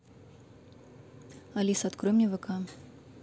алиса открой мне вк